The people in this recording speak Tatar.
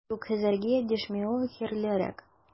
Юк, хәзергә дәшмәү хәерлерәк!